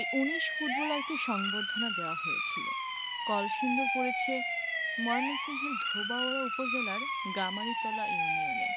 এই ১৯ ফুটবলারকে সংবর্ধনা দেওয়া হয়েছিল কলসিন্দুর পড়েছে ময়মনসিংহের ধোবাউড়া উপজেলার গামারিতলা ইউনিয়নে